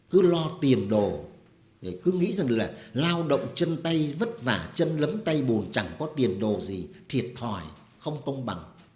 cứ lo tiền đồ rồi cứ nghĩ rằng là lao động chân tay vất vả chân lấm tay bùn chẳng có tiền đồ gì thiệt thòi không công bằng